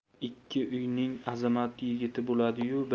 ikki uyning azamat yigiti bo'ladi